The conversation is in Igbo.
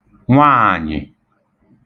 nwaànyị̀